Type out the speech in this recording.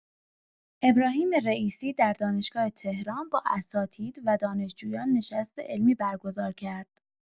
ابراهیم رئیسی در دانشگاه تهران با اساتید و دانشجویان نشست علمی برگزار کرد.